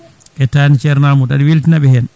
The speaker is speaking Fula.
e taane Theirno Amadou aɗa weltinaɓe hen